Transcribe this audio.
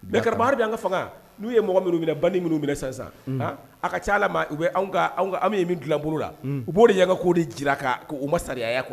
Mais Karamɔgɔ an ka fanga hali bi n'u ye mɔgɔ minnu minɛ, banti minnu minɛ sisan sisan a ka caa allah ma u bɛ anw ka anw ka anw ye min dilan bolo la , u b'o yanka k'o di jira k'o ma sariyaya quoi